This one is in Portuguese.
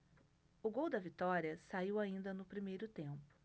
o gol da vitória saiu ainda no primeiro tempo